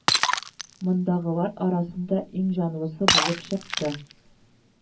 Мондагылар арасында иң җанлысы булып чыкты